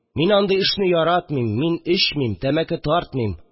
Мин андый эшне яратмыйм, мин эчмим, тәмәке тартмыйм